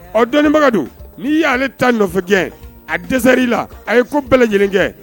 Ɔ dɔnnibaga dun n'i y'ale ta nɔfɛgɛn a dɛsɛli la, a ye ko bɛɛ lajɛlen kɛ